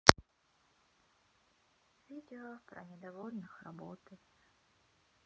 видео про недовольных работой